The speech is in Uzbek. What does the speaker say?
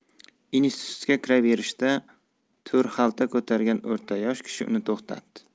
institutga kiraverishda to'rxalta ko'targan o'rta yosh kishi uni to'xtatdi